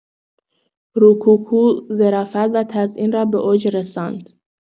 روکوکو ظرافت و تزئین را به اوج رساند.